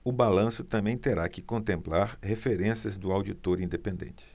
o balanço também terá que contemplar referências do auditor independente